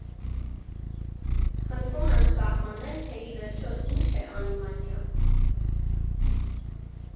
Խնդրում եմ սահմանել, թե ի վերջո ի՞նչ է անիմացիան։